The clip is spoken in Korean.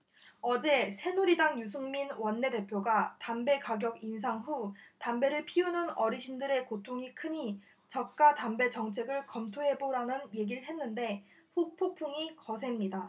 어제 새누리당 유승민 원내대표가 담배가격 인상 후 담배를 피우는 어르신들의 고통이 크니 저가담배 정책을 검토해보라는 얘길 했는데 후폭풍이 거셉니다